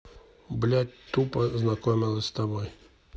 блядь тупо знакомились с тобой